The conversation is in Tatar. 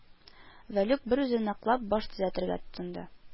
Вәлүк берүзе ныклап баш төзәтергә тотынды